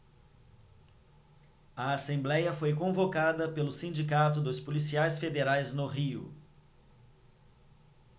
a assembléia foi convocada pelo sindicato dos policiais federais no rio